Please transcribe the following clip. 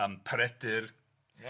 yym Peredur ia.